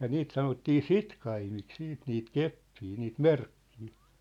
ja niitä sanottiin sitkaimiksi sitten niitä keppejä niitä merkkejä